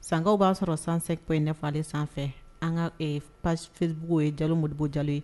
Sankaw b'a sɔrɔ sanp in nefalen sanfɛ an ka pafebugu ye jalo moribugu jale